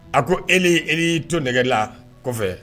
A ko e ni e ni to nɛgɛgela kɔfɛ